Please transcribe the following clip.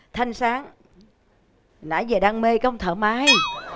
thanh sáng nãy giờ đang mê cái ông thợ may